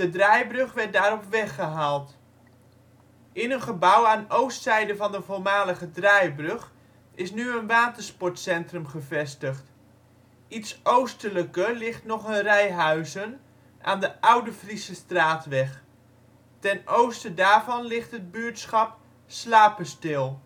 draaibrug werd daarop weggehaald. In een gebouw aan oostzijde van de voormalige draaibrug is nu een watersportcentrum gevestigd. Iets oostelijker ligt nog een rij huizen aan de oude Friesestraatweg. Ten oosten daarvan ligt het buurtschap Slaperstil